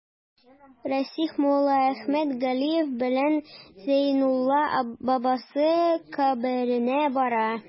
Расих Муллаәхмәт Галиев белән Зәйнулла бабасы каберенә бара.